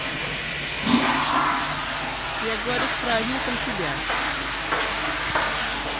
я говорю с праздником тебя